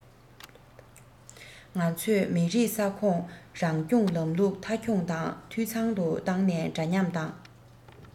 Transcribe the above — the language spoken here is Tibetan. ང ཚོས མི རིགས ས ཁོངས རང སྐྱོང ལམ ལུགས མཐའ འཁྱོངས དང འཐུས ཚང དུ བཏང ནས འདྲ མཉམ དང